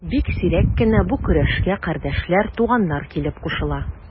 Бик сирәк кенә бу көрәшкә кардәшләр, туганнар килеп кушыла.